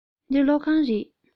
འདི སློབ ཁང རེད